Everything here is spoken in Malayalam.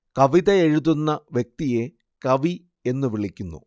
കവിത എഴുതുന്ന വ്യക്തിയെ കവി എന്നു വിളിക്കുന്നു